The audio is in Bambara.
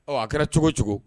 Ɔ a kɛra cogo cogo